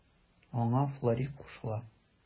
Аңа Флорид кушыла.